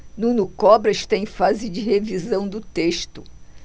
nuno cobra está em fase de revisão do texto